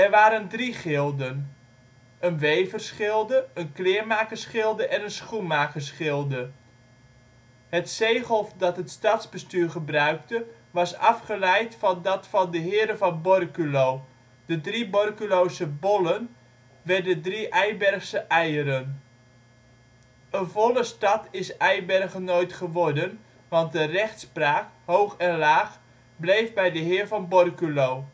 waren drie gilden: een weversgilde, een kleermakersgilde en een schoenmakersgilde. Het zegel dat het stadsbestuur gebruikte was afgeleid van dat van de heren van Borculo: de drie Borculose bollen werden drie Eibergse eieren. Een volle stad is Eibergen nooit geworden, want de rechtspraak, hoog en laag, bleef bij de Heer van Borculo